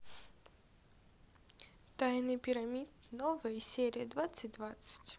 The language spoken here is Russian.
тайны пирамид новые серии двадцать двадцать